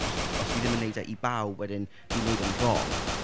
Och, os fi ddim yn wneud e i bawb wedyn fi'n wneud e'n wrong.